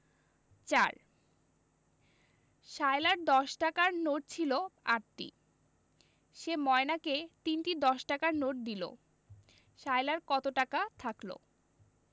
৪ সায়লার দশ টাকার নোট ছিল ৮টি সে ময়নাকে ৩টি দশ টাকার নোট দিল সায়লার কত টাকা থাকল